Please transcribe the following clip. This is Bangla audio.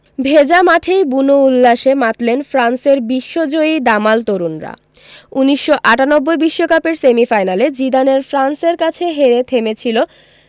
ভেজা মাঠেই বুনো উল্লাসে মাতলেন ফ্রান্সের বিশ্বজয়ী দামাল তরুণরা ১৯৯৮ বিশ্বকাপের সেমিফাইনালে জিদানের ফ্রান্সের কাছে হেরে থেমেছিল